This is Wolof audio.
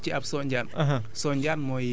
voilà mu ne la dama ji ab ci ab sonjaan